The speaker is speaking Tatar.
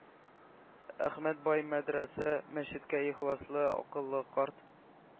Әхмәт бай мәдрәсә, мәчеткә ихласлы, “акыллы“ карт.